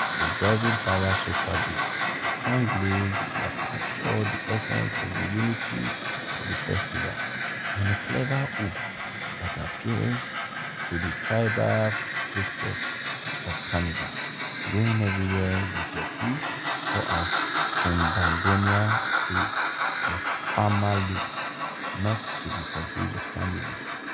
a driving "power soca" beat, strong lyrics that capture the essence of the unity of the festival, and a clever hook that appeals to the tribal facet of Carnival — going everywhere with your crew, or as Trinbagonians say, your "famalay" (not to be confused with "family"):